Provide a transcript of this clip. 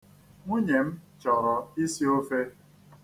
Nwunye m chọrọ isi ofe.